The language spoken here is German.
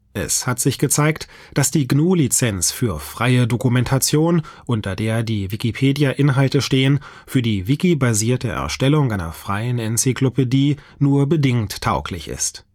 Es hat sich gezeigt, dass die GNU-Lizenz für freie Dokumentation (GFDL), unter der die Wikipedia-Inhalte stehen, für die Wiki-basierte Erstellung einer freien Enzyklopädie nur bedingt tauglich ist